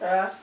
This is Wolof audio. waaw